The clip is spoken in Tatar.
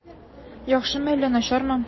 Яхшымы әллә начармы?